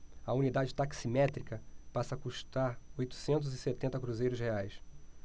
a unidade taximétrica passa a custar oitocentos e setenta cruzeiros reais